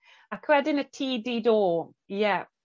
Ac wedyn y tŷ di do. Ie.